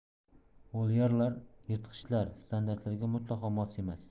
volyerlar yirtqichlar standartlarga mutlaqo mos emas